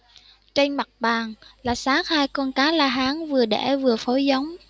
trên mặt bàn là xác hai con cá la hán vừa đẻ vừa phối giống